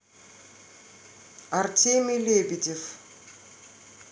артемий лебедев